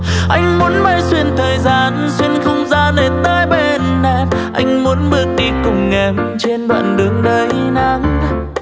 anh muốn bay xuyên thời gian xuyên không gian để tới bên em anh muốn bước đi cùng em trên đoạn đường đầy nắng